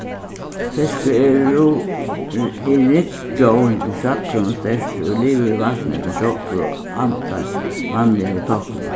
fiskur er er ryggdjór við fjaðrum og sterti og livir í vatni ella sjógvi og andar vanliga við táknum